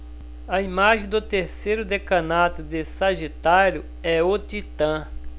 a imagem do terceiro decanato de sagitário é o titã